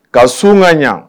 Ka su na yan